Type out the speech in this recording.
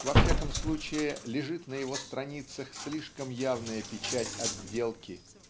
во всяком случае, лежит на его страницах слишком явная печать отделки.